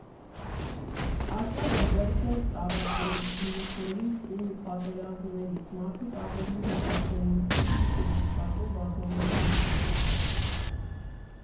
Աշխարհը դեռ չէր տառապում վիրուսներից ու պատերազմներից, մարդիկ ավելի հպարտ էին ու քիչ էին մտածում վատ բաների մասին։